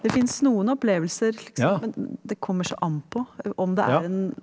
det fins noen opplevelser liksom, men det kommer så an på om det er en.